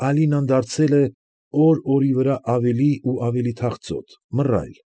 Ալինան դարձել է օր֊օրի վրա ավելի ու ավելի թախծոտ, մռայլ։